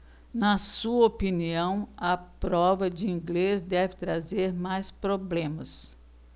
na sua opinião a prova de inglês deve trazer mais problemas